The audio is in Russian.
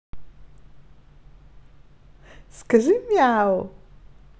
скажи мяу